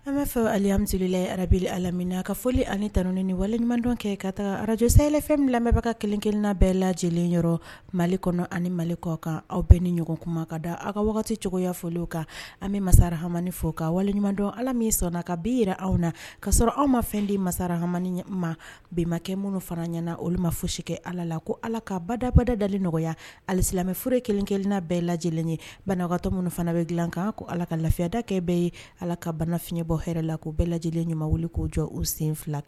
An m'a fɛ fɔ alimamisla rabueli amina ka foli ani taun ni waleɲumandon kɛ ka taa arajssɛyɛlɛ fɛn bilabebaga ka kelenkelenina bɛɛ lajɛ lajɛlen yɔrɔ mali kɔnɔ ani mali kɔ kan aw bɛɛ ni ɲɔgɔn kumama ka da aw ka waati cogoyaya foliw kan an bɛ masara hamani fɔ ka waleɲumandon ala min sɔnnana ka bin jira aw na ka sɔrɔ aw ma fɛn di masara hamani ma bɛnbakɛ minnu fana ɲɛnaana olu ma fo si kɛ ala la ko ala ka badabada dali nɔgɔya alisimɛure kelenkelen bɛɛ lajɛ lajɛlen ye banagantɔ minnu fana bɛ dilan kan ko ala ka lafiyadakɛ bɛɛ ye ala ka bana fiɲɛɲɛbɔ hɛrɛ la k'o bɛɛ lajɛlen ɲɛmaa wuli k'o jɔ u sen fila kan